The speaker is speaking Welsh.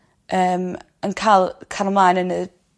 Yym yn ca'l cario mlan yn y